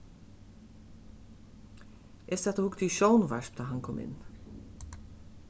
eg sat og hugdi í sjónvarp tá hann kom inn